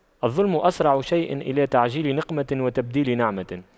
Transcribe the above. الظلم أسرع شيء إلى تعجيل نقمة وتبديل نعمة